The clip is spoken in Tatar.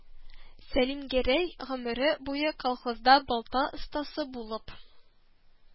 Сәлимгәрәй гомере буе колхозда балта остасы булып